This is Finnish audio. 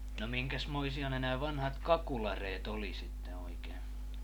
no minkäsmoisia ne nämä vanhat kakulareet oli sitten oikein